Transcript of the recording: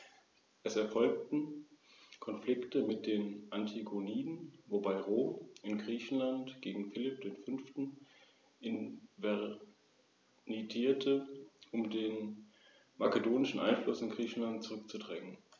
Je nach Dauer der Nutzung werden die Horste ständig erweitert, ergänzt und repariert, so dass über Jahre hinweg mächtige, nicht selten mehr als zwei Meter in Höhe und Breite messende Horste entstehen.